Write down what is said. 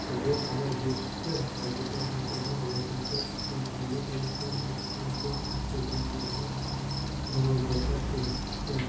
daryo xabar berilishicha kapital bozorni rivojlantirish agentligiga guliston ekstrakt yog' aksiyadorlaridan murojaatlar kelib tushgan